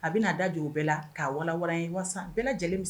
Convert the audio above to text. A bɛ da jɔ bɛɛ la ka walan wa bɛɛ lajɛlen